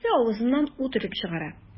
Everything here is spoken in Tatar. Берсе авызыннан ут өреп чыгара.